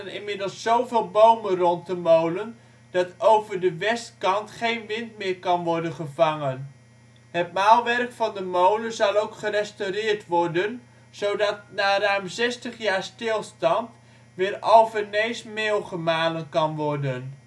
inmiddels zoveel bomen rond de molen dat over de westkant geen wind meer kan worden gevangen. Het maalwerk van de molen zal ook gerestaureerd worden, zodat na ruim 60 jaar stilstand weer ' Alvernees meel ' gemalen kan worden